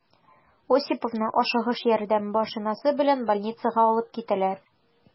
Осиповны «Ашыгыч ярдәм» машинасы белән больницага алып китәләр.